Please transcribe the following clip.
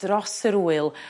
dros yr ŵyl